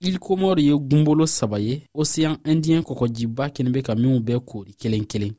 iles comores ye gunbolo saba ye ocean indien kɔgɔjiba kɛlen bɛ ka ninnu bɛɛ koori kelen kelen